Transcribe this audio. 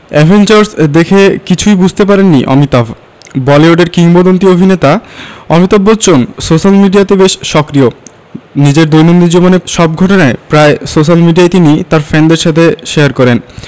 Avengers দেখে কিছুই বুঝতে পারেননি অমিতাভ বলিউডের কিংবদন্তী অভিনেতা অমিতাভ বচ্চন সোশ্যাল মিডিয়াতে বেশ সক্রিয় নিজের দৈনন্দিন জীবনের সব ঘটনাই প্রায় সোশ্যাল মিডিয়ায় তিনি তার ফ্যানদের সঙ্গে শেয়ার করেন